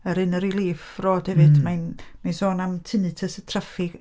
Yr Inner Relief Road hefyd, mae hi'n sôn am Tinnitus traffig.